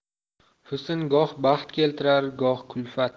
husn goh baxt keltirar goh kulfat